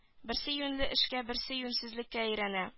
Берсе юньле эшкә берсе юньсезлеккә өйрәнә